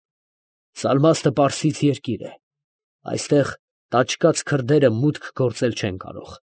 Սալմաստը պարսից երկիր է, այստեղ տաճկաց քրդերը մուտք գործել չեն կարող։